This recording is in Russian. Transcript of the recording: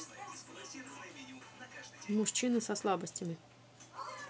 мужчины со слабостями